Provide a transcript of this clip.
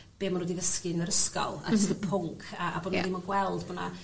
be' ma' n'w 'di ddysgu yn 'r ysgol as the pwnc a a bo'... Ie. ...n'w ddim yn gweld bo' 'na